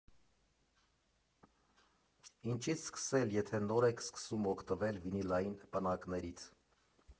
Ինչից սկսել, եթե նոր եք սկսում օգտվել վինիլային պնակներից։